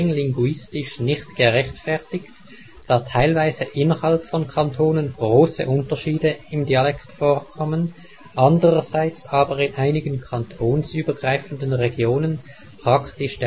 linguistisch nicht gerechtfertigt, da teilweise innerhalb von Kantonen grosse Unterschiede im Dialekt vorkommen, andererseits aber in einigen kantonsübergreifenden Regionen praktisch